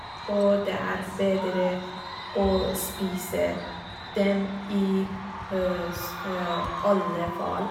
Og det er bedre å spise dem i s alle fall.